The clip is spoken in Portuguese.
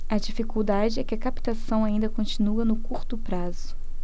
a dificuldade é que a captação ainda continua no curto prazo